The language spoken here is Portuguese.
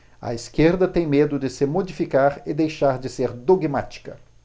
a esquerda tem medo de se modificar e deixar de ser dogmática